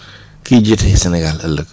kiy jiite Sénégal ëllëg